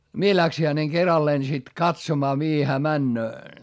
minä lähdin hänen keralleen sitten katsomaan mihin hän menee